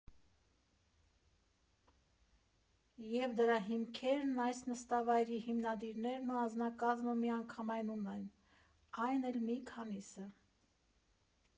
Եվ դրա հիմքերն այս նստավայրի հիմնադիրներն ու անձնակազմը միանգամայն ունեն, այն էլ մի քանիսը։